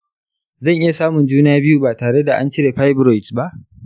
zan iya samun juna biyu ba tare da an cire fibroids ba?